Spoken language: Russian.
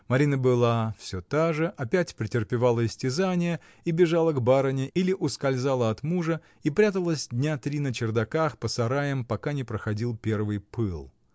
Марина была всё та же, опять претерпевала истязание и бежала к барыне или ускользала от мужа и пряталась дня три на чердаках, по сараям, пока не проходил первый пыл.